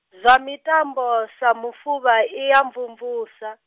zwa mitambo sa mufuvha i ya mvumvusa.